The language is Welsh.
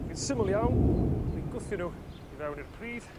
fi'n syml iawn dwi'n gwthio n'w i fewn i'r pridd